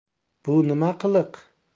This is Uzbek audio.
bu nima qiliq